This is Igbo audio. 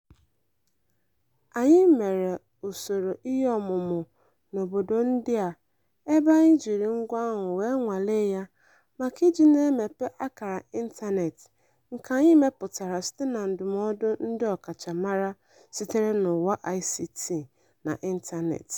Anyị mere usoro iheọmụmụ n'obodo ndị a ebe anyị jiri ngwa ahụ wee nwalee ya maka iji na imepe akara ịntaneetị nke anyị mepụtara site na ndụmọdụ ndị ọkachamara sitere n'ụwa ICT na ịntaneetị.